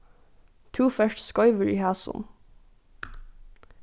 tú fert skeivur í hasum